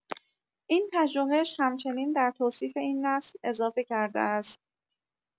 این پژوهش همچنین در توصیف این نسل اضافه کرده است